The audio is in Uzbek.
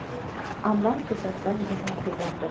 ammam to'satdan yig'lab yubordi